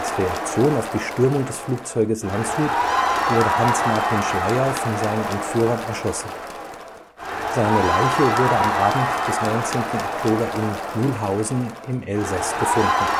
Reaktion auf die Stürmung des Flugzeuges „ Landshut “wurde Hanns Martin Schleyer von seinen Entführern erschossen. Seine Leiche wurde am Abend des 19. Oktober in Mülhausen im Elsass gefunden